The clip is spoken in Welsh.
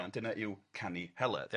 Dyna yw Canu Heledd, iawn?